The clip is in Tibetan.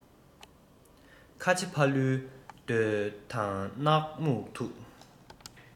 ཁ ཆེ ཕ ལུའི འདོད དང སྣག སྨྱུག ཐུག